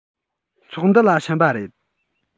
ཚོགས འདུ ལ ཕྱིན པ རེད